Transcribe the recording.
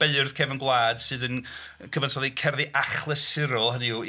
Beirdd cefn gwlad sydd yn yn cyfansoddi cerddi achlysurol hynny yw i...